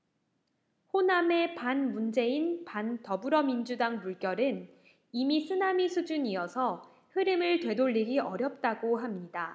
호남의 반문재인 반더불어민주당 물결은 이미 쓰나미 수준이어서 흐름을 되돌리기 어렵다고 합니다